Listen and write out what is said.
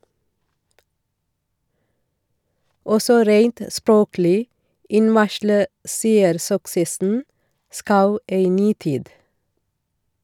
Også reint språklig innvarsler seersuksessen Schau ei ny tid.